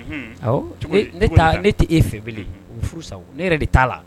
Ne ne tɛ e fɛ furusa ne yɛrɛ de t'a la